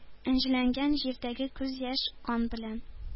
Энҗеләнгән җирдәге күз яшь, кан белән!